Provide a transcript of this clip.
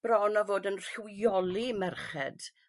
bron â fod yn rhywioli merched